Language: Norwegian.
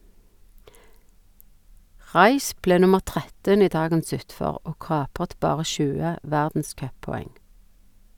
Raich ble nummer 13 i dagens utfor, og kapret bare 20 verdenscuppoeng.